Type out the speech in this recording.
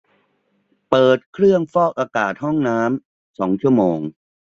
เปิดเครื่องฟอกอากาศห้องน้ำสองชั่วโมง